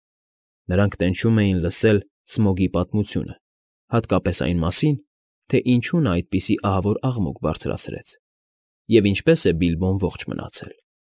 Նրանք տենչում էին լսել Սմոգի պատմությունը հատկապես այն մասին, թե ինչու նա այդպես ահավոր աղմուկ բաձրացրեց, և ինչպես է Բիլբոն ողջ մնացել։